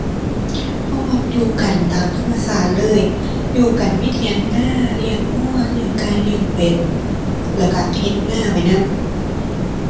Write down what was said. เรามักอยู่กันตามธรรมชาติเลย อยู่กันมีเถียงนา เลี้ยงเรา เลี้ยงไก่ เลี้ยงเป็ด แล้วเราเฮ็ดนาไปนำ